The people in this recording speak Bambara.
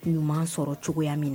Ɲuman sɔrɔ cogoya mina